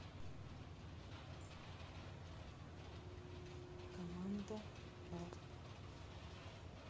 команда а